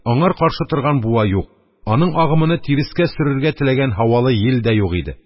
Аңар каршы торган буа юк, аның агымыны тирескә сөрергә теләгән һавалы йил дә юк иде.